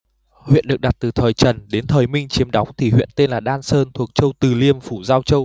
huyện được đặt từ thời trần đến thời minh chiếm đóng thì huyện tên là đan sơn thuộc châu từ liêm phủ giao châu